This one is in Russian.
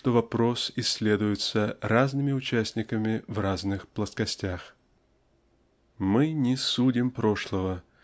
что вопрос исследуется разными участниками в разных плоскостях. Мы не судим прошлого